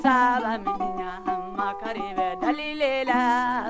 sabaminiyan makari bɛ deli le la